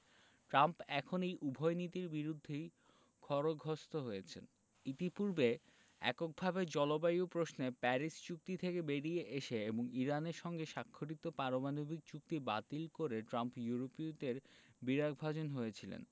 Trump এখন এই উভয় নীতির বিরুদ্ধেই খড়গহস্ত হয়েছেন ইতিপূর্বে এককভাবে জলবায়ু প্রশ্নে প্যারিস চুক্তি থেকে বেরিয়ে এসে এবং ইরানের সঙ্গে স্বাক্ষরিত পারমাণবিক চুক্তি বাতিল করে ট্রাম্প ইউরোপীয়দের বিরাগভাজন হয়েছিলেন